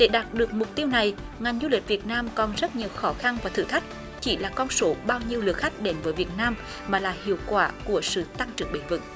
để đạt được mục tiêu này ngành du lịch việt nam còn rất nhiều khó khăn và thử thách chỉ là con số bao nhiêu lượt khách đến với việt nam mà là hiệu quả của sự tăng trưởng bền vững